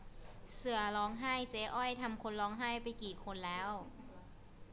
เสือร้องไห้เจ๊อ้อยทำคนร้องไห้ไปกี่คนแล้ว